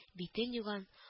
Битен юган